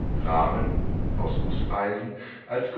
Rahmen (aus Gusseisen) als